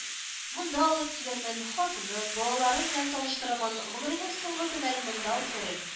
Монда алып килермен, хатыным, балаларым белән таныштырырмын, гомеренең соңгы көннәрен монда үткәрер